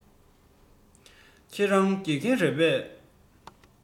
ཁྱེད རང དགེ རྒན རེད པས